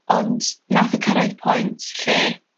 Ond nath e cyrraedd point lle